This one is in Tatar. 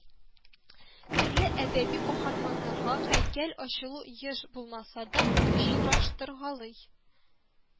Төрле әдәби каһарманнарга һәйкәл ачылу еш булмаса да очраштыргалый